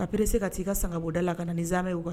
A pere se ka t' i ka san bɔda la ka na nin zana ye o kan